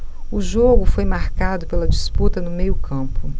o jogo foi marcado pela disputa no meio campo